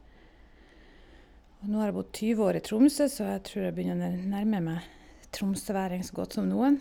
Og nå har jeg bodd tyve år i Tromsø, så jeg tror jeg begynner å n nærme meg tromsøværing så godt som noen.